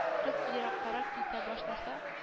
Кыз ераккарак китә башласа: